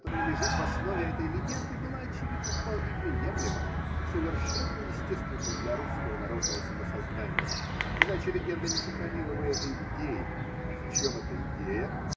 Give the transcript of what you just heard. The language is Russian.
которая лежит в основе этой легенды, была, очевидно, вполне приемлема, совершенно естественна для русского народного самосознания, иначе легенда не сохранила бы этой идеи. А в чем эта идея?